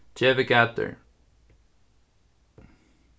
gevið gætur